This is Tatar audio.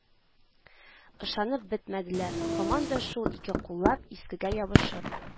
Ышанып бетмәделәр, һаман да шул ике куллап искегә ябышып